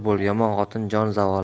yomon xotin jon zavoli